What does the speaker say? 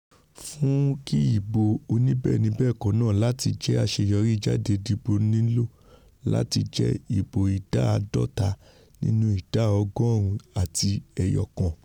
Fún ki ìbò oníbẹ́ẹ̀ni-bẹ́ẹ̀kọ́ náà láti jẹ́ àṣeyọrí ìjáde-dìbò nílò láti jẹ́ ìbò ìdá àádọ́ta nínú ìdá ọgọ́ọ̀rún àti ẹyọ kan.